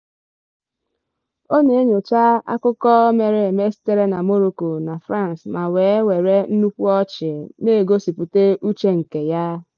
Ọ na-enyocha akụkọ mereeme sitere na Morocco na France ma wee were nnukwu ọchị na-egosipụta uche nke ya.